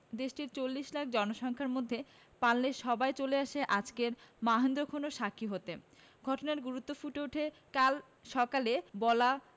দেশটির ৪০ লাখ জনসংখ্যার মধ্যে পারলে সবাই চলে আসে আজকের মাহেন্দ্রক্ষণের সাক্ষী হতে ঘটনার গুরুত্ব ফুটে ওঠে কাল সকালে বলা